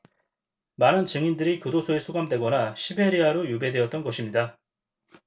많은 증인들이 교도소에 수감되거나 시베리아로 유배되었던 것입니다